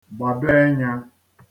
gbàdo enyā